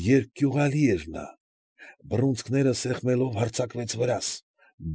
Երկյուղալի էր նա։ Բռունցքները սեղմելով հարձակվեց վրաս։